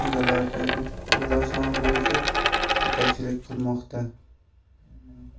ligalaridagi gollar soni bo'yicha yetakchilik qilmoqda